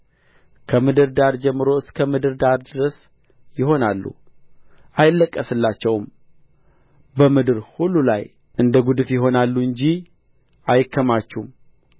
ከምድር ዳር ጀምሮ እስከ ምድር ዳር ድረስ ይሆናሉ አይለቀስላቸውም በምድር ላይ እንደ ግውድፍ ይሆናሉ እንጂ አይከማቹም